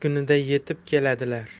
kunida yetib keladilar